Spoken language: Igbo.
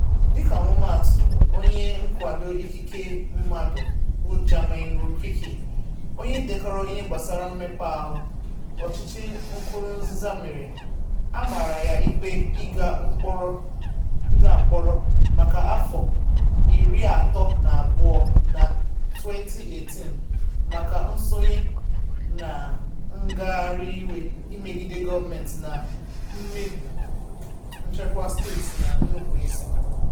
Dịka ọmụmaatụ, onye nkwado ikike mmadụ bụ Germain Rukiki, onye dekọrọ ihe gbasara mmekpaahụ ọchịchị Nkurunziza mere, a mara ya ikpe ịga mkpọrọ maka afọ 32 na 2018 maka nsonye na ngagharị iwe ịmegide gọọmentị, na mmebi nchekwa steeti na nnupụisi.